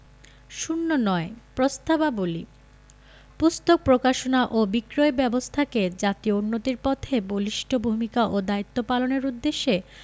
০৯ প্রস্তাবাবলী পুস্তক প্রকাশনা ও বিক্রয় ব্যাবস্থাকে জাতীয় উন্নতির পথে বলিষ্ঠ ভূমিকা ও দায়িত্ব পালনের উদ্দেশ্যে